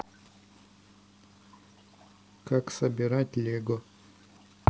как собирать лего